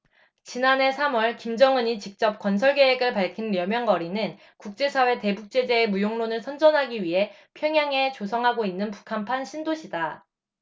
지난해 삼 월 김정은이 직접 건설 계획을 밝힌 려명거리는 국제사회 대북 제재의 무용론을 선전하기 위해 평양에 조성하고 있는 북한판 신도시다